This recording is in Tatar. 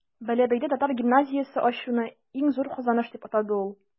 Бәләбәйдә татар гимназиясе ачуны иң зур казаныш дип атады ул.